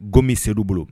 G min se' bolo